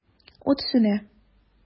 Ут сүнә.